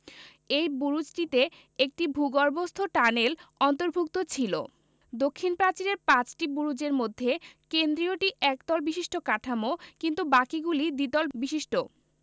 এই বুরুজটিতে একটি ভূগর্ভস্থ টানেল অন্তর্ভুক্ত ছিল দক্ষিণ প্রাচীরের পাঁচটি বুরুজের মধ্যে কেন্দ্রীয়টি একতল বিশিষ্ট কাঠামো কিন্তু বাকিগুলি দ্বিতল বিশিষ্ট